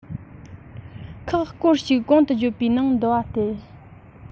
ཁག སྐོར ཞིག གོང དུ བརྗོད པའི ནང འདུ བ སྟེ